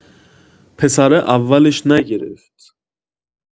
پسره اولش نگرفت.